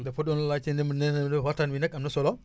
dafa doon laajte ne ma nee na waxtaan bi nag am na solo